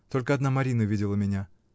Только одна Марина видела меня.